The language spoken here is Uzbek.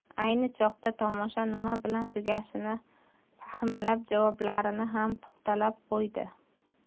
ayni choqda tomosha nima bilan tugashini fahmlab javoblarini ham puxtalab qo'ydi